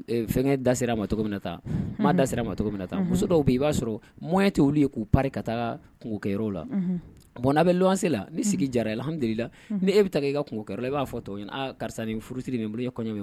Fɛn da sera ma min ma da sera ma cogo min na ta muso dɔw bi i b'a sɔrɔ mɔnya tɛ wuli ye k'u pa ka taa kungokɛyɔrɔ la bɔnna bɛ lɔse lai sigi jarahamdula ni e bɛ taa i ka kungokɛyɔrɔ i b'a fɔ tɔ karisa ni furusiri ni kɔɲɔ